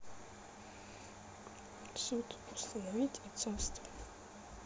суд установите отцовство